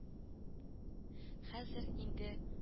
Хәзер инде